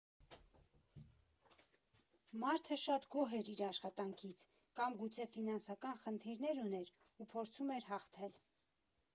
Մարդը շատ գոհ էր իր աշխատանքից կամ գուցե ֆինանսական խնդիրներ ուներ ու փորձում էր հաղթել։